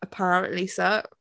Apparently so.